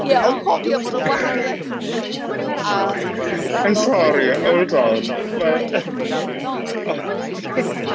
Ie, ond cofia mae 'na wahaniaeth rhwng ritual a traddodiad... I'm sorry, hold on ma'...